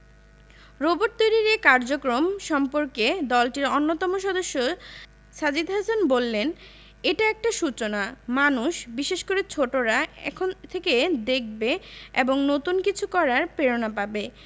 robot তৈরির এ কার্যক্রম সম্পর্কে দলটির অন্যতম সদস্য সাজিদ হাসান বললেন এটা একটা সূচনা মানুষ বিশেষ করে ছোটরা এখান থেকে দেখবে এবং নতুন কিছু করার প্রেরণা পাবে